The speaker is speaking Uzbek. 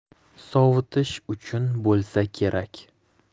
sovutish uchun bo'lsa kerak